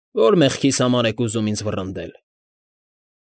Ո՞ր մեղքիս համար եք ուզում ինձ վռնդել։